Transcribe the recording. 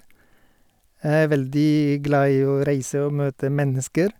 Jeg er veldig glad i å reise og møte mennesker.